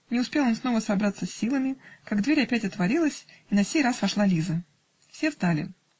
Не успел он снова собраться с силами, как дверь опять отворилась, и на сей раз вошла Лиза. Все встали